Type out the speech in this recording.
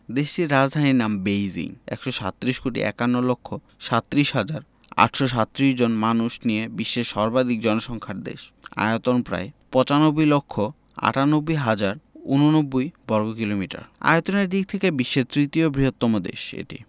দেশটির রাজধানীর নাম বেইজিং ১৩৭ কোটি ৫১ লক্ষ ৩৭ হাজার ৮৩৭ জন মানুষ নিয়ে বিশ্বের সর্বাধিক জনসংখ্যার দেশ আয়তন প্রায় ৯৫ লক্ষ ৯৮ হাজার ৮৯ বর্গকিলোমিটার আয়তনের দিক থেকে বিশ্বের তৃতীয় বৃহত্তম দেশ এটি